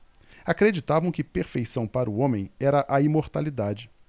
acreditavam que perfeição para o homem era a imortalidade